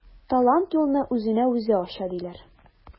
Талант юлны үзенә үзе ача диләр.